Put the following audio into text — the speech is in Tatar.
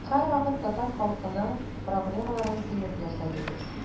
Сез һәрвакыт татар халкының проблемаларын тоеп яшәдегез.